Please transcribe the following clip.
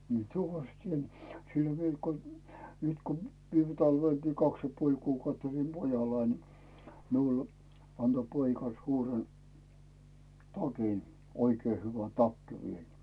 minä tuvassa teen siellä vielä kun nyt kun viime talvellakin kaksi ja puoli kuukautta olin pojallani niin minulle antoi poika suuren takin oikein hyvä takki vielä